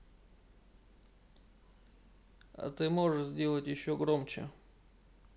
а ты можешь сделать еще громче